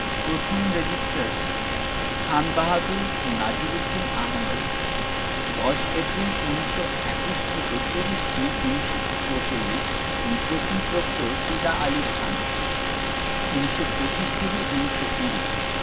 প্রথম registrar Khan Bahadur Nazir Uddin Ahmad ১০ April ১৯২১ থেকে ৩০ June ১৯৪৪ এবং প্রথম প্রক্টর ফিদা আলী খান ১৯২৫থেকে ১৯৩০